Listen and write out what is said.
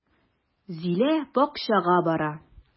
Зилә бакчага бара.